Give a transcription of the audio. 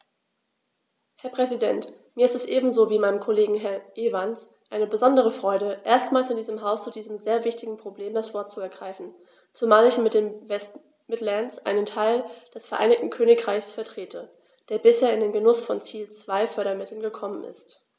Herr Präsident, mir ist es ebenso wie meinem Kollegen Herrn Evans eine besondere Freude, erstmals in diesem Haus zu diesem sehr wichtigen Problem das Wort zu ergreifen, zumal ich mit den West Midlands einen Teil des Vereinigten Königreichs vertrete, der bisher in den Genuß von Ziel-2-Fördermitteln gekommen ist.